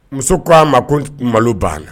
Muso ko a ma ko malo banna